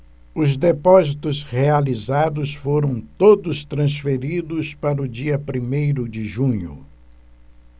os depósitos realizados foram todos transferidos para o dia primeiro de junho